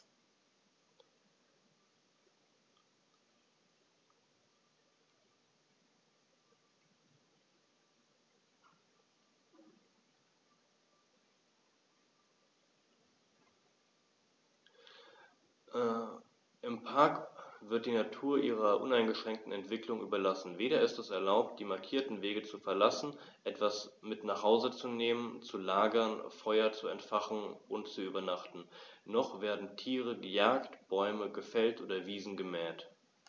Im Park wird die Natur ihrer uneingeschränkten Entwicklung überlassen; weder ist es erlaubt, die markierten Wege zu verlassen, etwas mit nach Hause zu nehmen, zu lagern, Feuer zu entfachen und zu übernachten, noch werden Tiere gejagt, Bäume gefällt oder Wiesen gemäht.